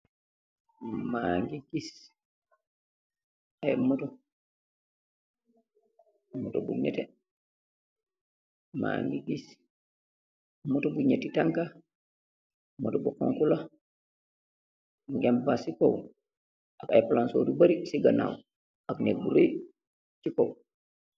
Maa ngi gis ay moto, moto bu ñetti. Maa ngi gis moto bu ñieti tanka, moto bu xoñgu la. Mungo am baas si kow ak ay plansor yu bari si ganaaw ak nek bu rë ci kow.